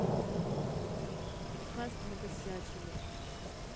хаски накосячили